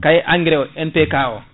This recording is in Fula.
kayi engrain o MPK O